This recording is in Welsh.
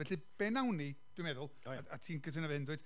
felly be wnawn ni, dwi'n meddwl... o ia, a ti'n cytuno efo hyn dwyt